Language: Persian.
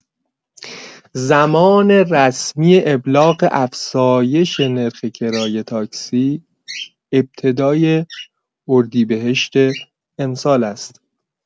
زمان رسمی ابلاغ افزایش نرخ کرایه تاکسی ابتدای اردیبهشت امسال است.